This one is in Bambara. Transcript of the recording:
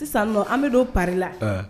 Sisan nɔn an bɛ don pa la